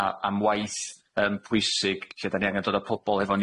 a- am waith yym pwysig lle 'dan ni angen dod â pobol hefo